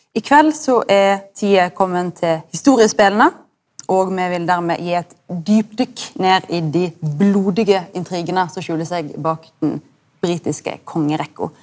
i kveld så er tida komen til historiespela og me vil dermed gje eit djupdykk ned i dei blodige intrigane som skjuler seg bak den britiske kongerekka.